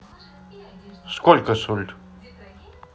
сколько соль